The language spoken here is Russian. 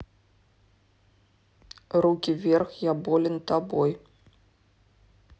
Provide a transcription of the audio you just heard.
руки вверх я болен тобой